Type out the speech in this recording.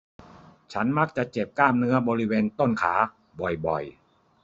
ฉันมักจะเจ็บกล้ามเนื้อบริเวณต้นขาบ่อยบ่อย